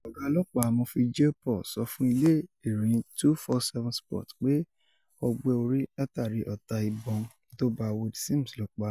Ọ̀gá ọlọ́pàá, Murphy J. Paul sọ fún ilé-ìròyìn 247sports pe “Ọgbẹ́ orí látàrí ọta ìbọn tó ba Wayde Sims ló pa á.”